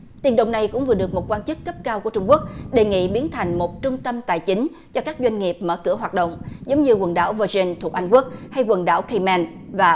tỉnh đồng này cũng vừa được một quan chức cấp cao của trung quốc đề nghị biến thành một trung tâm tài chính cho các doanh nghiệp mở cửa hoạt động giống như quần đảo vơ dưn thuộc anh quốc hay quần đảo cây men và